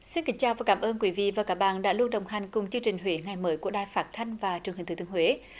xin kính chào và cảm ơn quý vị và các bạn đã luôn đồng hành cùng chương trình huế ngày mới của đài phát thanh và truyền hình thừa thiên huế